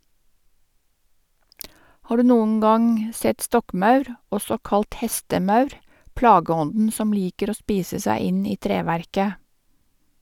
Har du noen gang sett stokkmaur, også kalt hestemaur, plageånden som liker å spise seg inn i treverket?